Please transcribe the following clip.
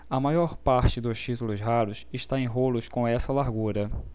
a maior parte dos títulos raros está em rolos com essa largura